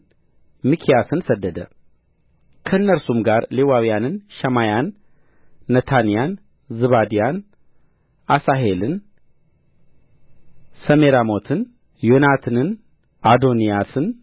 ሚክያስን ሰደደ ከእነርሱም ጋር ሌዋውያንን ሸማያን ነታንያን ዝባድያን አሣሄልን ሰሚራሞትን ዮናትንን አዶንያስን